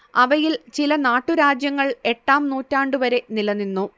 അവയിൽ ചില നാട്ടുരാജ്യങ്ങൾ എട്ടാം നൂറ്റാണ്ടുവരെ നിലനിന്നു